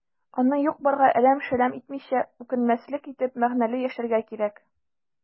Аны юк-барга әрәм-шәрәм итмичә, үкенмәслек итеп, мәгънәле яшәргә кирәк.